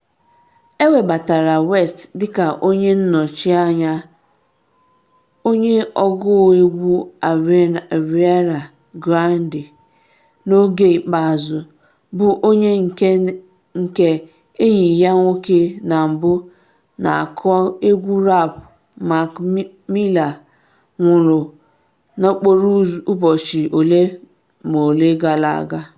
Ewebatara West dịka onye nnọchi anya onye ọgụ egwu Ariana Grande n’oge ikpeazụ, bụ onye nke enyi ya nwoke na mbu, na-akụ egwu rap Mac Miller nwụrụ na mkpụrụ ụbọchị ole ma ole gara aga.